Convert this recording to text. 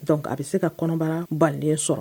Donc a bɛ se ka kɔnɔbara balen sɔrɔ